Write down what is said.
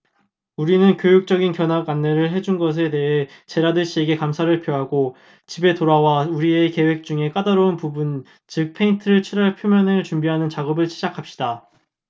우리는 교육적인 견학 안내를 해 준 것에 대해 제라드 씨에게 감사를 표하고 집에 돌아와 우리의 계획 중에서 까다로운 부분 즉 페인트를 칠할 표면을 준비하는 작업을 시작합니다